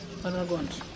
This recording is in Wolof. wala gont